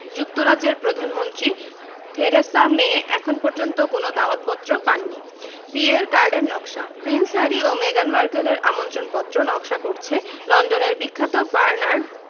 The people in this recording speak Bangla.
যুক্তরাজ্যের প্রধানমন্ত্রী থেরেসা মে এখন পর্যন্ত কোনো দাওয়াতপত্র পাননি বিয়ের কার্ডের নকশা প্রিন্স হ্যারি ও মেগান মার্কেলের আমন্ত্রণপত্র নকশা করছে লন্ডনের বিখ্যাত বার্নার্ড